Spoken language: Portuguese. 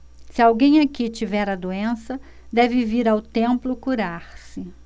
se alguém aqui tiver a doença deve vir ao templo curar-se